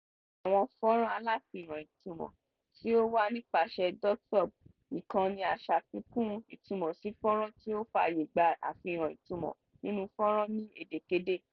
Àwọn fọ́nràn aláfihàn ìtumọ̀ ti ń wà nípasẹ̀ dotSUB, ìkànnì aṣàfikún ìtumọ̀ sí fọ́nràn tí ó ń fààyè gba àfihàn ìtumọ̀ nínú fọ́nràn ní èdèkedè.